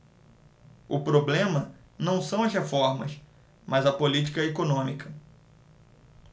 o problema não são as reformas mas a política econômica